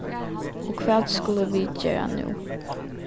og hvat skulu vit gera nú